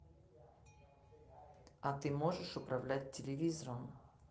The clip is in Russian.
а ты можешь управлять телевизором